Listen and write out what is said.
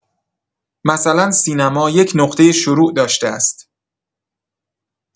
مثلا سینما یک نقطه شروع داشته است.